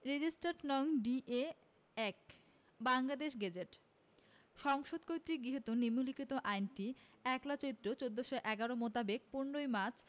registered নং D A ১ Bangladesh gazette সংসদ কর্তৃক গৃহীত নিম্নলিখিত আইনটি ১লা চৈত্র ১৪১১ মোতাবেক ১৫ই মার্চ